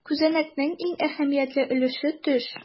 Күзәнәкнең иң әһәмиятле өлеше - төш.